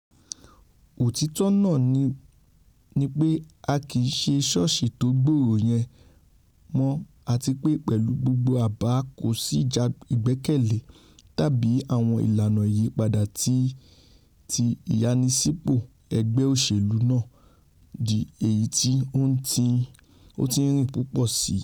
Òtítọ náà nipé a kìí ṣe sọọsi tó gbòòrò yẹn mọ́ àtipé pẹ̀lu gbogbo àbá ''kòsí-ìgbẹkẹ̀lé'' tabi àwọn ìlàna ìyípadà ti ìyannisipò ẹgbẹ òṣèlu náà ńdi èyití ó ńtín-ín-rín púpọ síi.